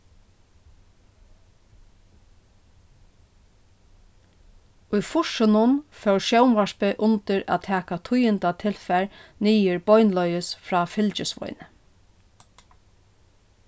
í fýrsunum fór sjónvarpið undir at taka tíðindatilfar niður beinleiðis frá fylgisveini